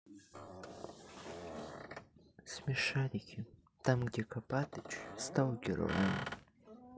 смешарики там где копатыч стал героем